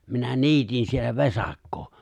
minä niitin siellä vesakkoa